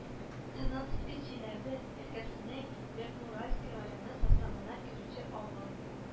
Казанцевский Чиләбе өлкәсенең Верхнеуральск районы составына керүче авыл